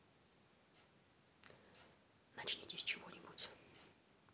начните с чего нибудь